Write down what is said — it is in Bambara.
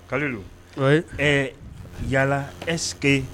Kalilu. Wɛhi! Ɛɛ, yala Est ce que .